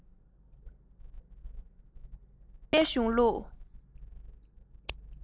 རིག པའི གཞུང ལུགས